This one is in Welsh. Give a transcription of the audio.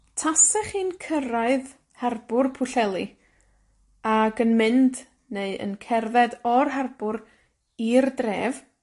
Tasech chi'n cyrraedd harbwr Pwllheli, ag yn mynd neu yn cerdded o'r harbwr i'r dref,